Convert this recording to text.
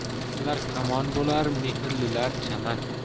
johillar kamon bo'lar mehrlilar chaman